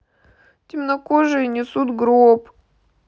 темнокожие несут гроб